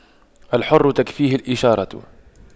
الحر تكفيه الإشارة